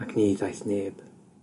Ac ni ddaeth neb.